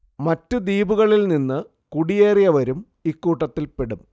മറ്റ് ദ്വീപുകളിൽ നിന്ന് കുടിയേറിയവരും ഇക്കൂട്ടത്തിൽപ്പെടും